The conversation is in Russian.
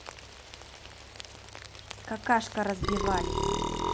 какашка разбивались